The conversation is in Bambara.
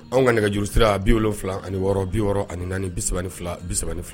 Anw ŋa nɛgɛjuru sira 76 64 32 32